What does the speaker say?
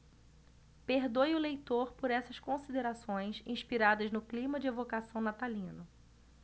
perdoe o leitor por essas considerações inspiradas no clima de evocação natalino